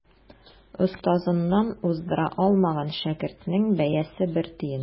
Остазыннан уздыра алмаган шәкертнең бәясе бер тиен.